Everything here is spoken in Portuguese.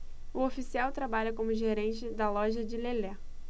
o oficial trabalha como gerente da loja de lelé